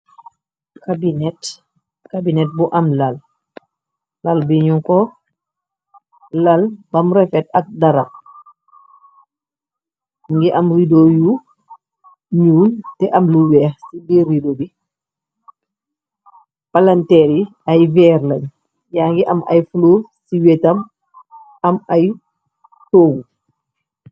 Kabinet bu am lal lal bi ñu ko lal bam refet ak dara ngi am rido yu ñyuul te am lu weex ci biir rido bi palanteer yi ay veer lañ yaa ngi am ay fluf ci wéetam am ay toogu.